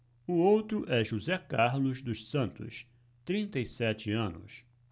o outro é josé carlos dos santos trinta e sete anos